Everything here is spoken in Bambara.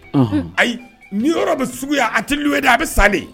Un ayi ni yɔrɔ bɛ suguya a hakilillu di a bɛ sa de